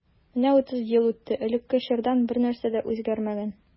Менә утыз ел үтте, элекке чордан бернәрсә дә үзгәрмәгән.